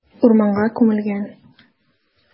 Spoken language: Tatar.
Урманга күмелгән.